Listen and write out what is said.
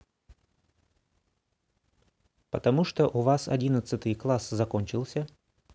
потому что у вас одиннадцатый класс закончился